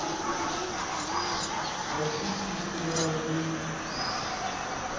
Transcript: российские сериалы боевики